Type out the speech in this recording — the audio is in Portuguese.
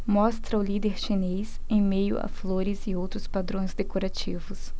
mostra o líder chinês em meio a flores e outros padrões decorativos